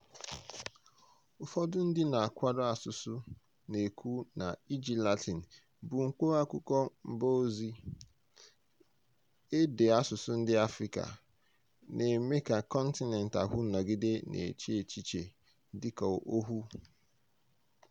Ụfọdụ ndị na-akwado asụsụ na-ekwu na iji Latin, bụ mkpụrụ akwụkwọ mba ọzọ, ede asụsụ ndị Africa, na-eme ka kọntinentị ahụ nọgide na-eche echiche dị ka ohu.